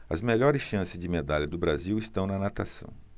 as melhores chances de medalha do brasil estão na natação